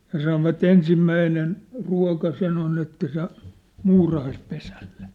ja sanoivat ensimmäinen ruoka sen on että se muurahaispesälle